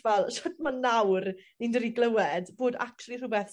fel shwt ma' nawr ni'n dod i glywed bod actually rhwbeth